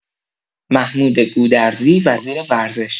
محمود گودرزی وزیر ورزش